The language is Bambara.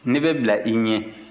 ne bɛ bila i ɲɛ